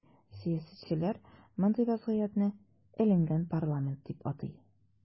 Сәясәтчеләр мондый вазгыятне “эленгән парламент” дип атый.